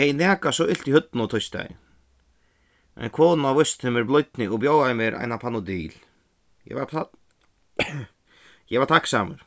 eg hevði nakað so ilt í høvdinum týsdagin ein kona vísti mær blídni og bjóðaði mær eina panodil eg var eg var takksamur